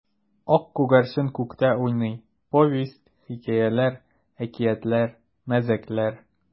Ак күгәрчен күктә уйный: повесть, хикәяләр, әкиятләр, мәзәкләр.